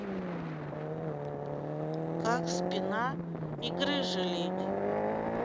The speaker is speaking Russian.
как спина и грыжи лечит